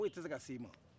foyi tɛ se ka s' ima